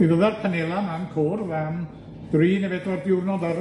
Mi fydda'r panela 'ma'n cwrdd am dri ne' bedwar diwrnod ar